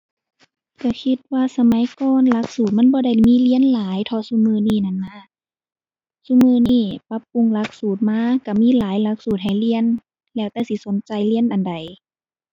ก็คิดว่าสมัยก่อนหลักสูตรมันบ่ได้มีเรียนหลายเท่าซุมื้อนี้นั้นนะ ซุมื้อนี้ปรับปรุงหลักสูตรมาก็มีหลายหลักสูตรให้เรียน แล้วแต่สิสนใจเรียนอันใด